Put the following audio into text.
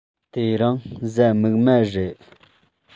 དེ རིང གཟའ མིག དམར རེད